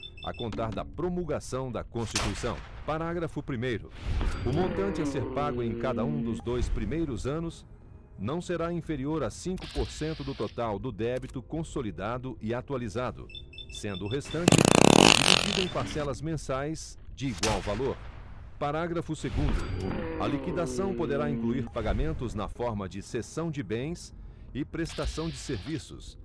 a contar da promulgação da constituição parágrafo primeiro o montante a ser pago em cada um dos dois primeiros anos não será inferior a cinco por cento do total do débito consolidado e atualizado sendo o restante dividido em parcelas mensais de igual valor parágrafo segundo a liquidação poderá incluir pagamentos na forma de cessão de bens e prestação de serviços